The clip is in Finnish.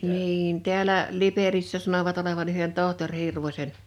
niin täällä Liperissä sanovat olevan yhden tohtori Hirvosen